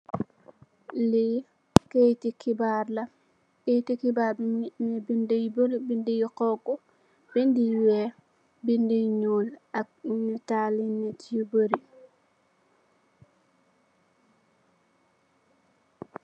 Li kayeti kibaar la, kayeti kibaar bi mungi ameh ay bindi yu bari. Bindi yu honku, bindi yu weeh, bindi yu ñuul ak natali nit yu bari.